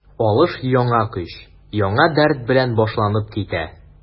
Алыш яңа көч, яңа дәрт белән башланып китә.